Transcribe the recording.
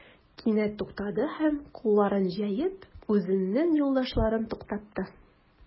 Кинәт туктады һәм, кулларын җәеп, үзенең юлдашларын туктатты.